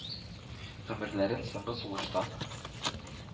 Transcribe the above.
Гомерләрен соңгы сулышта